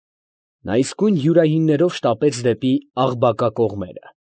Նա իսկույն յուրայիններով շտապեց դեպի Աղբակա կողմերը։